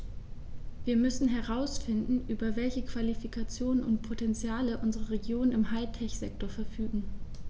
Wir müssen herausfinden, über welche Qualifikationen und Potentiale unsere Regionen im High-Tech-Sektor verfügen.